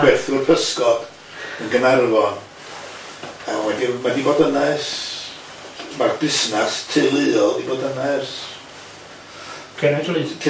Gwerthwr pysgod yn Gnarfon a wedi- ma' di bod yna e's ma'r busnas teuluol 'di bod yna ers cenedlaeth- cenedlaehau.